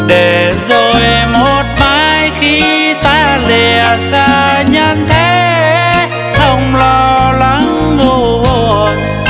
để rồi một mai khi ta lìa xa nhân thế không lo lắng ưu buồn